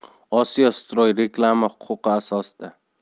osiyo stroy reklama huquqi asosida